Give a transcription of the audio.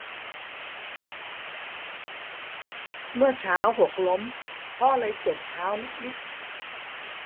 เมื่อเช้าหกล้มพ่อเลยเจ็บเท้านิดนิด